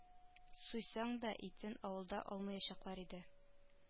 Суйсаң да итен авылда алмаячаклар иде